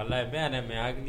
A la i bɛɛ' mɛn